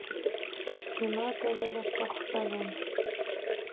Հիմա տերերը փոխվել են։